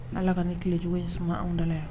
N' ala ka nin kɛlɛcogo in suma anw dala la yan